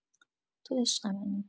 تو عشق منی